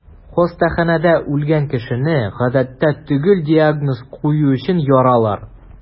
Хастаханәдә үлгән кешене, гадәттә, төгәл диагноз кую өчен яралар.